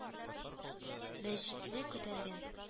Мәҗитне күтәргән